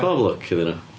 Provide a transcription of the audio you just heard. Pob lwc iddyn nhw.